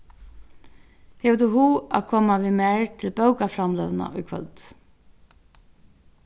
hevur tú hug til at koma við mær til bókaframløguna í kvøld